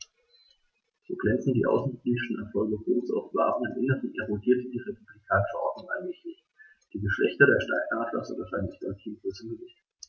So glänzend die außenpolitischen Erfolge Roms auch waren: Im Inneren erodierte die republikanische Ordnung allmählich. Die Geschlechter des Steinadlers unterscheiden sich deutlich in Größe und Gewicht.